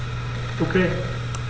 Okay.